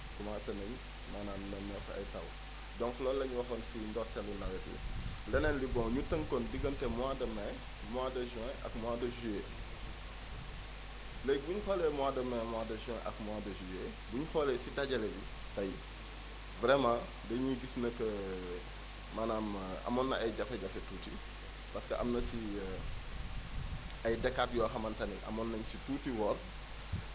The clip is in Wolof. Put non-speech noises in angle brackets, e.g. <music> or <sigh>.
commencé nañu maanaam nemmeeku ay taw donc loolu la ñuy wax kon si ndorteelu nawet bi leneen li bon ñu tënkloon diggante mois de mai mois de juin azk mois de juillet léegi bi ñu xoolee mois de mai mois de juin ak mois de juillet bu ñu xoolee si dajale bi tey vraiment dañuy gis ne que maanaam amoon na ay jafe-jafe tuuti parce que am na si <hesitation> ay décates yoo xamante ni amoon nañu si tuuti woor